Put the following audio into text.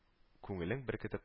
Күңелен беркетеп